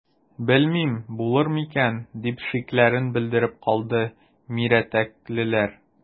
Белмим, булыр микән,– дип шикләрен белдереп калды мирәтәклеләр.